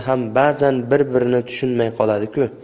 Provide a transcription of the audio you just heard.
ham bazan bir birini tushunmay qoladi ku